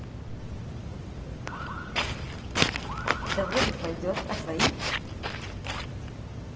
да вроде пойдет а твои